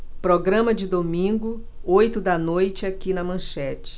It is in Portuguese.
programa de domingo oito da noite aqui na manchete